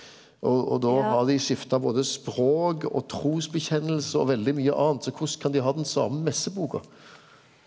og og då har dei skifta både språk og truvedkjenning og veldig mykje anna så korleis kan dei ha den same messeboka?